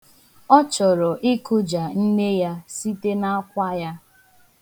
Ọ choro ịkụja nne ya site na akwa ya.